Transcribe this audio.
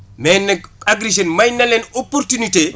mais nag Agri Jeunes may na leen opportunité